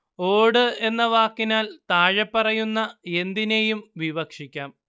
ഓട് എന്ന വാക്കിനാല്‍ താഴെപ്പറയുന്ന എന്തിനേയും വിവക്ഷിക്കാം